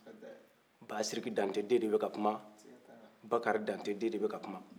hatɛ basidiki dante den de bɛ ka kuma sika taala bakari dante den de bɛ ka kuma